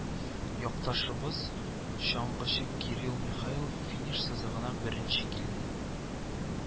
Якташыбыз, чаңгычы Кирилл Михайлов финиш сызыгына беренче килде